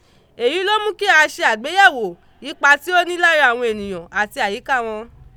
Èyí ló mú kí á ṣe àgbéyẹ̀wò ipa ti ó ní lárá àwọn ènìyàn àti àyíká wọn.